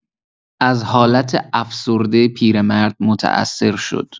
از حالت افسرده پیرمرد متاثر شد.